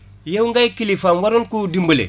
yow ngay kilifaam waroon koo dimbale